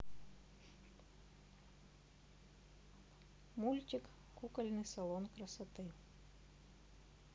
мультик кукольный салон красоты